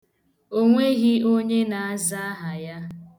O nweghi onye na-aza aha ya.